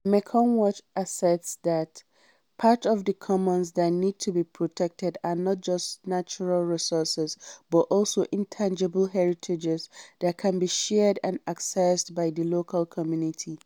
Mekong Watch asserts that part of the commons that need to be protected are not just natural resources but also "intangible heritages" that can be shared and accessed by the local community.